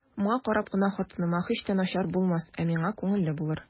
Моңа карап кына хатыныма һич тә начар булмас, ә миңа күңелле булыр.